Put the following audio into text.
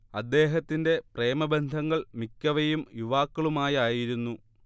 അദ്ദേഹത്തിന്റെ പ്രേമബന്ധങ്ങൾ മിക്കവയും യുവാക്കളുമായായിരുന്നു